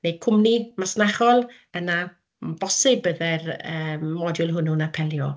neu cwmni masnachol, yna mae'n bosib y byddai'r yym modiwl hwnnw'n apelio.